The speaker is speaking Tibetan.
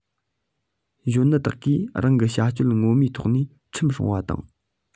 གཞོན ནུ དག གིས རང གི བྱ སྤྱོད ངོ མའི ཐོག ནས ཁྲིམས སྲུང བ དང